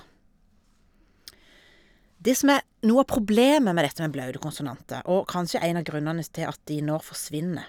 Det som er noe av problemet med dette med blaute konsonanter, og kanskje en av grunnene s til at de nå forsvinner...